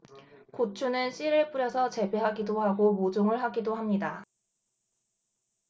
고추는 씨를 뿌려서 재배하기도 하고 모종을 하기도 합니다